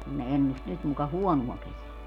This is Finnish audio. kun ne ennusti nyt muka huonoa kesää